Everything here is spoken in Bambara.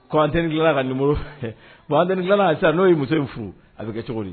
T dilanla kat dilan a n'o ye muso in furu a bɛ kɛ cogo di